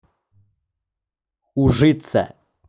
ужиться